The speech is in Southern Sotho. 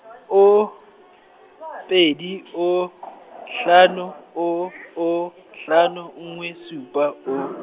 oh, pedi oh , hlano oh, oh hlano nngwe supa oh.